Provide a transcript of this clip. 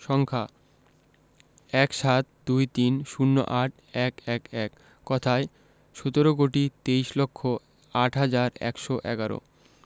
সংখ্যাঃ ১৭ ২৩ ০৮ ১১১ কথায়ঃ সতেরো কোটি তেইশ লক্ষ আট হাজার একশো এগারো